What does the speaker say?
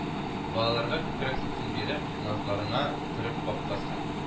Балаларга күкрәк сөтең биреп, Назларыңа төреп баккансың